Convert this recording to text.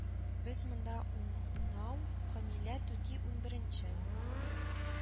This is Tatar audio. Без монда ун нау, Камилә түти унберенче